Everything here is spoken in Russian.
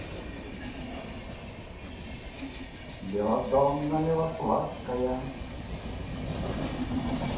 белладонна милославская